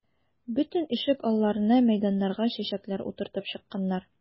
Бөтен ишек алларына, мәйданнарга чәчәкләр утыртып чыкканнар.